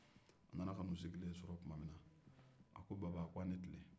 a nana masakɛ sigilen sɔrɔ a ko baba a ni tile